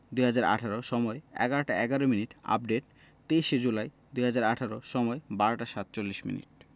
২০১৮ সময়ঃ ১১টা ১১মিনিট আপডেট ২৩ জুলাই ২০১৮ সময়ঃ ১২টা ৪৭মিনিট